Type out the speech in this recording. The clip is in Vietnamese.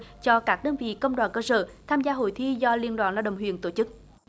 cho các đơn vị công đoàn cơ sở tham gia hội thi do liên đoàn lao động huyện tổ chức